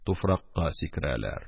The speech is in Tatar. Туфракка сикерәләр.